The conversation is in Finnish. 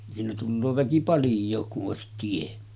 siinä tulee väki paljon kun olisi tie